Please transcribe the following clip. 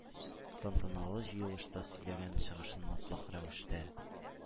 Тантаналы җыелышта сөйләгән чыгышын мотлак рәвештә